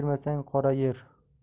bermasang qora yer